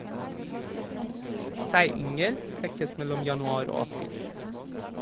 Seiyngel klekkes mellom januar og april.